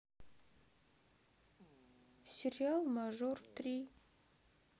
сериал мажор три